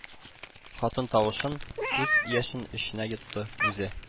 Хатын тавышын, күз яшен эченә йотты, үзе: